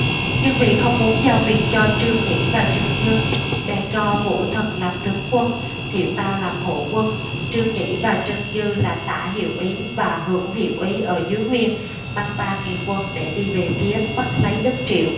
nhưng vì không muốn giao quyền cho trương nhĩ và trần dư bèn cho vũ thần làm tướng quân thiệu tao làm hộ quân trương nhĩ và trần dư là tả hiệu úy và hữu hiệu úy ở dưới quyền mang ba nghìn quân để đi về phía bắc lấy đất triệu